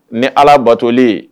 Ni allah batoli ye.